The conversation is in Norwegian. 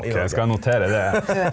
ok skal jeg notere det.